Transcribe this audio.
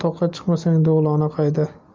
toqqa chiqmasang do'lona qayda